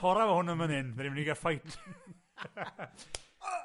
...torra hwn yn fan 'yn, 'dyn ni mynd i ga'l fight. Yy.